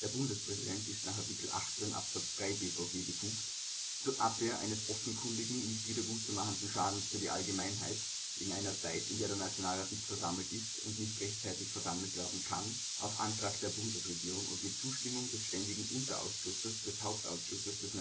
Bundespräsident ist nach Art. 18 Abs 3 B-VG befugt „ zur Abwehr eines offenkundigen, nicht wieder gutzumachenden Schadens für die Allgemeinheit “, in einer Zeit, in der der Nationalrat nicht versammelt ist und nicht rechtzeitig versammelt werden kann, auf Antrag der Bundesregierung und mit Zustimmung des ständigen Unterausschusses des Hauptausschusses des